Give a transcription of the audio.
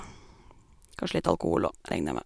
Kanskje litt alkohol òg, regner jeg med.